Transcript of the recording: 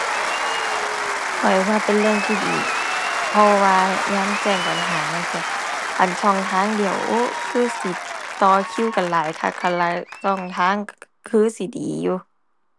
ข้อยว่าเป็นเรื่องที่ดี เพราะว่ายามแจ้งปัญหาจั่งซี้ คันช่องทางเดียว โอ้ คือสิต่อคิวกันหลายคัก คันหลายช่องทางช่องช่องคือสิดีอยู่